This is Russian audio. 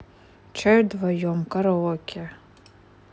чай вдвоем караоке